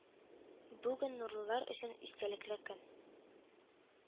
Бүген нурлылар өчен истәлекле көн